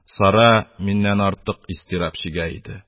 Сара миннән артык истирап чигә иде.